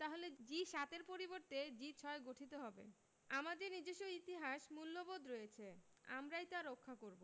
তাহলে জি ৭ এর পরিবর্তে জি ৬ গঠিত হবে আমাদের নিজস্ব ইতিহাস মূল্যবোধ রয়েছে আমরাই তা রক্ষা করব